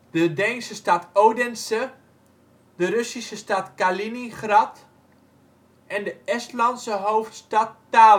de Deense stad Odense; de Russische stad Kaliningrad en de Estlandse hoofdstad Tallinn